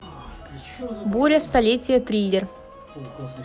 буря столетия триллер